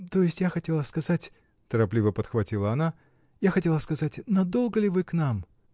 то есть я хотела сказать, -- торопливо подхватила она, -- я хотела сказать, надолго ли вы к нам?